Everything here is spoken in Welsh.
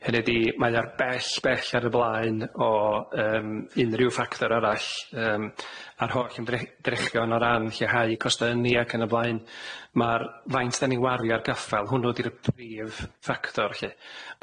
Hynny ydi mae ar bell bell ar y blaen o yym unryw factor arall yym a'r holl ymdre- drechion o ran lleihau costau ynni ac yn y blaen ma'r faint 'dan ni'n wario ar gaffael hwnnw di'r brif ffactor lly.